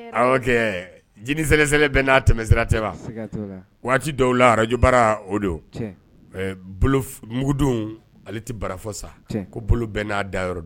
Jinɛ selensɛ bɛ n'a tɛmɛsira tɛ waati dɔw la arajbara o don mugudenw ale tɛ barafɔ sa ko bolo bɛɛ n'a da yɔrɔ dɔn